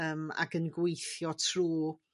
yym ac yn gweithio trw